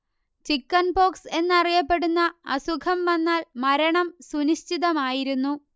chickenpox എന്നറിയപ്പെടുന്ന അസുഖം വന്നാൽ മരണം സുനിശ്ചിതമായിരുന്നു